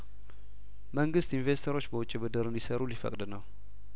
መንግስት ኢንቨስተሮች በውጭ ብድር እንዲሰሩ ሊፈቅድ ነው